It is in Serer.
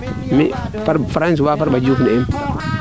mi Fracois Farba Diouf ne'eem